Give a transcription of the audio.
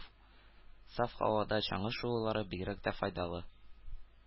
Саф һавада чаңгы шуулары бигрәк тә файдалы.